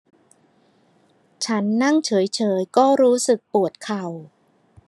ฉันนั่งเฉยเฉยก็รู้สึกปวดเข่า